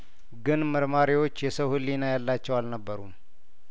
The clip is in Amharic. ግን መርማሪዎች የሰው ህሊና ያላቸው አልነበሩም